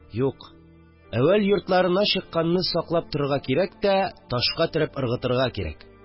Юк, әүвәл йортларына чыкканны саклап торырга кирәк тә ташка төреп ыргытырга кирәк